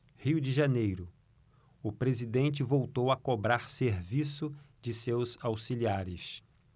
rio de janeiro o presidente voltou a cobrar serviço de seus auxiliares